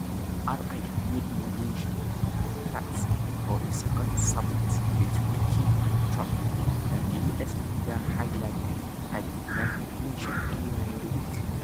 Ri made no mention of plans for a second summit between Kim and Trump that the U.S. leader highlighted at the United Nations earlier in the week.